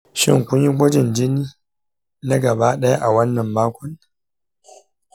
shin kun yi gwajin jini na gabaɗaya a wannan makon?